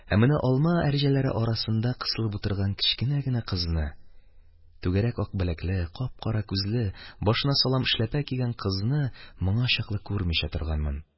Ә менә алма әрҗәләре арасында кысылып утырган кечкенә генә кызны, түгәрәк ак беләкле, кап-кара күзле, башына салам эшләпә кигән кызны моңа чаклы күрмичә торганмын.